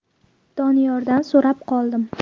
doniyordan so'rab qoldim